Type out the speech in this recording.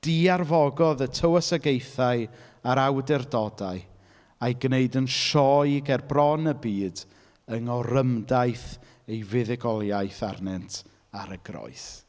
Di-arfogodd y tywysogaethau a'r awdurdodau, a'u gwneud yn sioe ger bron y byd, yng ngorymdaith ei fuddugoliaeth arnynt ar y groes.